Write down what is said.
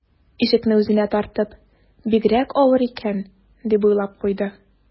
Ишекне үзенә тартып: «Бигрәк авыр икән...», - дип уйлап куйды